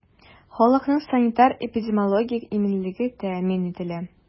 Халыкның санитар-эпидемиологик иминлеге тәэмин ителә.